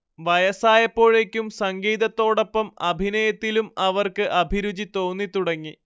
വയസ്സായപ്പോഴേയ്ക്കും സംഗീതത്തോടോപ്പം അഭിനയത്തിലും അവർക്ക് അഭിരുചി തോന്നിത്തുടങ്ങി